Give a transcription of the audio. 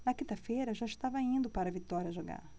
na quinta-feira eu já estava indo para vitória jogar